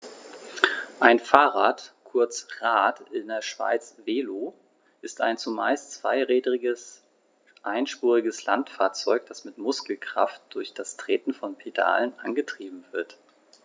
Ein Fahrrad, kurz Rad, in der Schweiz Velo, ist ein zumeist zweirädriges einspuriges Landfahrzeug, das mit Muskelkraft durch das Treten von Pedalen angetrieben wird.